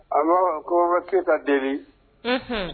A ko tɛta delibi